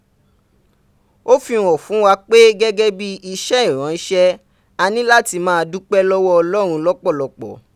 o fihan fun wa pe gegebi ise iranse ani lati ma dupe lowo olorun lopolopo,